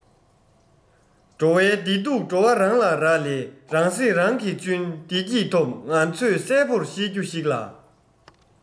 འགྲོ བའི བདེ སྡུག འགྲོ བ རང ལ རག ལས རང སེམས རང གིས གཅུན བདེ སྐྱིད ཐོབ ང ཚོས གསལ བོར ཤེས རྒྱུ ཞིག ལ